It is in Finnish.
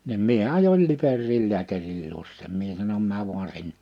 niin minä ajoin Liperiin lääkärin luo sen minä sanon mene vain -